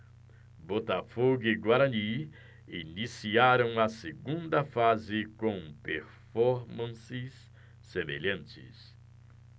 botafogo e guarani iniciaram a segunda fase com performances semelhantes